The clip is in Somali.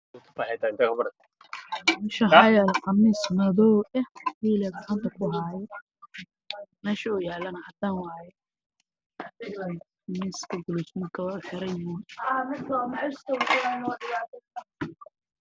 Meshan waxaa yaalo qamiis madow ah